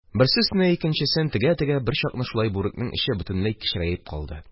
Берсе өстенә икенчесен тегә-тегә, берчакны шулай бүрекнең эче бөтенләй кечерәеп калды.